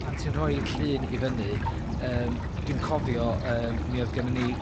pan ti'n rhoid llun i fyny, yym, dwi'n cofio yym mi odd gennon ni